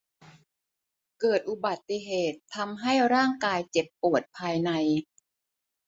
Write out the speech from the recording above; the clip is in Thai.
เกิดอุบัติเหตุทำให้ร่างกายเจ็บปวดภายใน